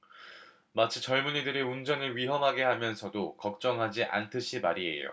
마치 젊은이들이 운전을 위험하게 하면서도 걱정하지 않듯이 말이에요